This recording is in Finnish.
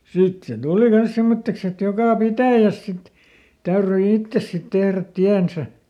sitten se tuli kanssa semmoiseksi että joka pitäjässä sitten täytyi itse sitten tehdä tiensä